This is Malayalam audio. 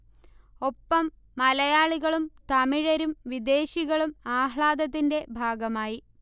ഒപ്പം മലയാളികളും തമിഴരും വിദേശികളും ആ ആഹ്ളാദത്തിന്റെ ഭാഗമായി